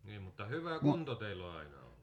niin mutta hyvä kunto teillä on aina ollut